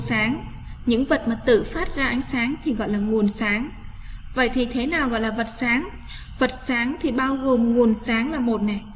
nguồn sáng những vật mà tự phát ra ánh sáng thì gọi là nguồn sáng vậy thì thế nào là vật sáng bật sáng thì bao gồm nguồn sáng là này